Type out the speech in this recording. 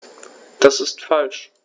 Das ist falsch.